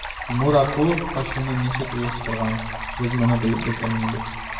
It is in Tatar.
Тимур Акулов качуны ничек оештырган, без моны белеп бетермибез.